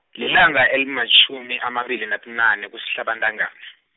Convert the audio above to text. lilanga elimatjhumi amabili nabunane kusihlaba intangana.